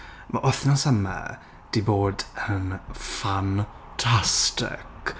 Mae wythnos yma 'di bod yn ffantastig.